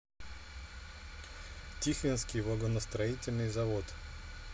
тихвинский вагоностроительный завод